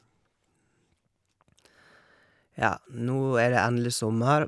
Ja, nå er det endelig sommer.